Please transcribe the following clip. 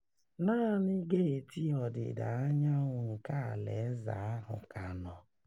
Naanị geeti ọdịda anyanwụ nke ala eze ahụ ka nọ.